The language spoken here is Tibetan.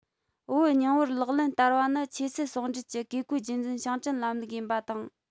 བོད རྙིང པར ལག ལེན བསྟར བ ནི ཆོས སྲིད ཟུང འབྲེལ གྱི བཀས བཀོད རྒྱུད འཛིན ཞིང བྲན ལམ ལུགས ཡིན པ དང